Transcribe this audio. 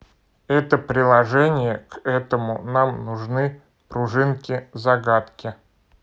это приложение к этому нам нужны пружинки загадки